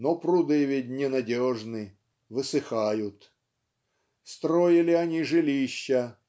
Но пруды ведь не надежны - высыхают. Строили они жилища.